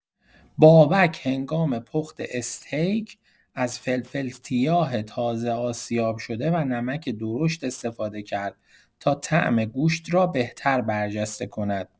بابک هنگام پخت استیک، از فلفل سیاه تازه آسیاب‌شده و نمک درشت استفاده کرد تا طعم گوشت را بهتر برجسته کند.